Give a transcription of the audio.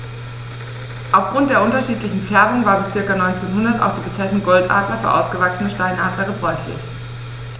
Auf Grund der unterschiedlichen Färbung war bis ca. 1900 auch die Bezeichnung Goldadler für ausgewachsene Steinadler gebräuchlich.